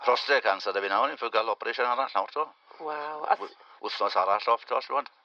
prostrate cancer 'da fi nawr, ga'l operation arall nawr 'to. Waw, a... W- wthnos arall *off t'wel' siŵ' fod.